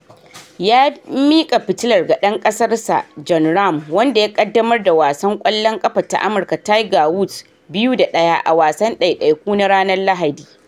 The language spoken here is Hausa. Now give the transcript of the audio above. Ya mika fitilar ga dan kasarsa, John Ram, wanda ya kaddamar da wasan kwallon kafa ta Amurka Tiger Woods 2 & 1 a wasan daidaiku na ranar Lahadi.